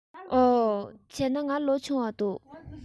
འོ བྱས ན ང ལོ ཆུང བ འདུག